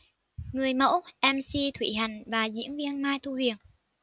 người mẫu mc thúy hạnh và diễn viên mai thu huyền